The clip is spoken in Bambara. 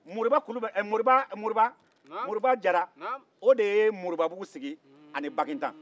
moriba kulub ɛɛ moriba moriba moriba jara o de ye moribabugu sigi ani bakintan